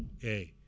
eyyi